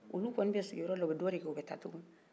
ulu kɔni tɛ sigin yɔrɔ la u bɛ dɔ de kɛ dɔrɔn ka ta